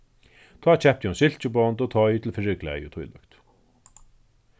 tá keypti hon silkibond og toy til fyriklæði og tílíkt